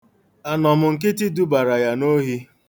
Anọmnkịtị dubara ya n'ohi.